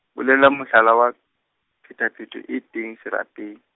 bolela mohlala wa, phetapheto e teng serapeng.